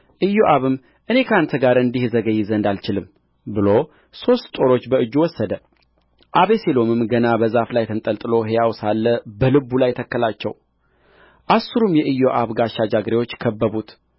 ኢዮአብም እኔ ከአንተ ጋር እንዲህ እዘገይ ዘንድ አልችልም ብሎ ሦስት ጦሮች በእጁ ወሰደ አቤሴሎምም ገና በዛፍ ላይ ተንጠልጥሎ ሕያው ሳለ በልቡ ላይ ተከላቸው አስሩም የኢዮአብ ጋሻ ጃግሬዎች ከበቡት